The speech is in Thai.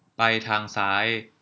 ไปทางซ้าย